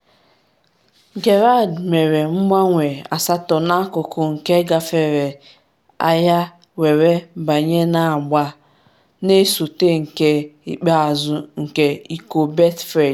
Gerrard mere mgbanwe asatọ n’akụkụ nke gbafere Ayr were banye n’agba na-esote nke ikpeazụ nke Iko Betfred.